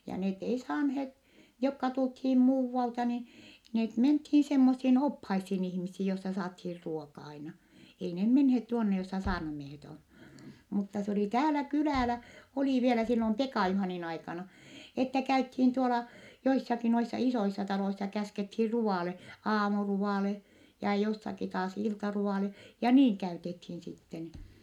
ja ne ei saaneet jotka tultiin muualta niin ne mentiin semmoisiin oppaisiin ihmisiin jossa saatiin ruoka aina ei ne menneet tuonne jossa saarnamiehet on mutta se oli täällä kylällä oli vielä silloin Pekan Juhanin aikana että käytiin tuolla joissakin noissa isoissa taloissa käskettiin ruoalle aamuruoalle ja jossakin taas iltaruoalle ja niin käytettiin sitten